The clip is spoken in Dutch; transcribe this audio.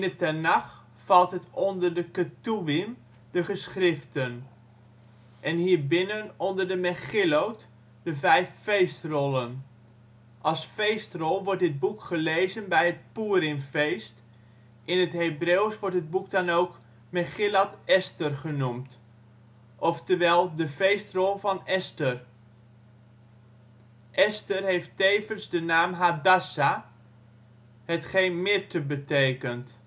Tenach valt het onder de Ketoewim (Geschriften), en hierbinnen onder de Megillot (vijf feestrollen). Als feestrol wordt dit boek gelezen bij het Poerimfeest. In het Hebreeuws wordt het boek dan ook Megillat Esther genoemd, ofwel de (feest) rol van Esther. Esther heeft tevens de naam Hadassa, hetgeen mirte betekent